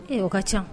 Ee o ka ca